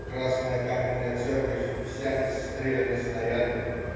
Красная каменная церковь вся исстреляна снарядами.